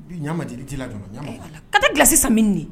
Ɲama ka tɛ dilasi san min de